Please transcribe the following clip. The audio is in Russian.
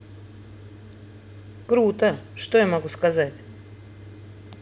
круто что я могу сказать